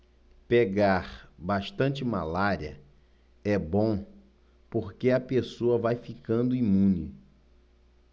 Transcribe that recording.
pegar bastante malária é bom porque a pessoa vai ficando imune